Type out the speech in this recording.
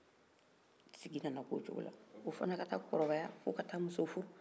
sigin nana k'o coko la o fana kata kɔrɔ baya fo ka ta muso furu